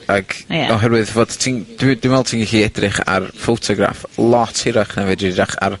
ag... O ie. ... oherwydd fod ti'n, dw dwi me'wl ti'n gellu edrych ar ffotograff lot hirach na fedri edrach ar